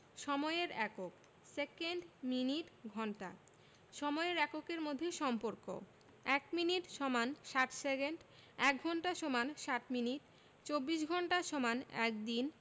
সময়ের এককঃ second minute ঘন্টা সময়ের এককের মধ্যে সম্পর্কঃ ১ মিনিট = ৬০ সেকেন্ড ১ঘন্টা = ৬০ মিনিট ২৪ ঘন্টা = ১ দিন